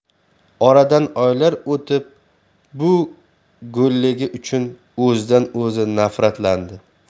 oradan oylar o'tib bu go'lligi uchun o'zidan o'zi nafratlandi